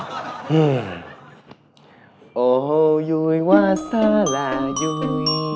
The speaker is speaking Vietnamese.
em ồ vui quá xá là vui